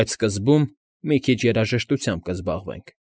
Բայց սկզբում մի քիչ երաժշտությամբ կզբաղվենք։